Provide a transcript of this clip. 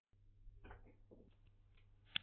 ཁྱིམ ཀྱི རྒད པོར སྤྲད